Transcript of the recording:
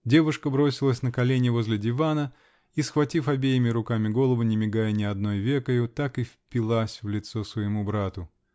Девушка бросилась на колени возле дивана и, схватив обеими руками голову, не мигая ни одной векою, так и впилась в лицо своему брату.